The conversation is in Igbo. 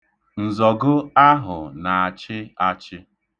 Nzọgo ahụ na-chị achị.